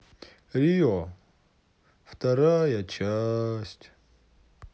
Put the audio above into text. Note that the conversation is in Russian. рио вторая часть